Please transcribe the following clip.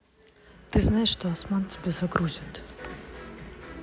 ты знаешь что осман тебя загрузит